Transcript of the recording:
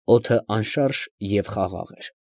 Օդը անշարժ և խաղաղ էր։